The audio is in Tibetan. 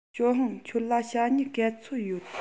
ཞའོ ཧུང ཁྱོད ལ ཞྭ སྨྱུག ག ཚོད ཡོད